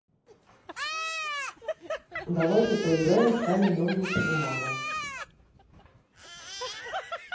давай поиграем в камень ножницы бумага